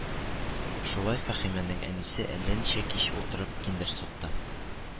Шулай, Фәһимәнең әнисе әллә ничә кич утырып киндер сукты